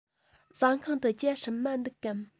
ཟ ཁང དུ ཇ སྲུབས མ འདུག གམ